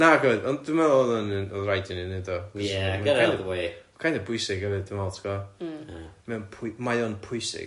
Nagoedd ond dwi'n meddwl oedd o'n oedd rhaid i ni 'neud o... Yeah geddit out of the way ...kind of bwysig hefyd dwi'n meddwl ti'bod. M-hm. Ia mae o'n pwy- mae o'n pwysig,